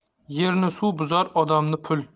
yerni suv buzar odamni pul